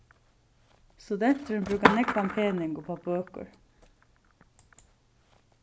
studenturin brúkar nógvan pening upp á bøkur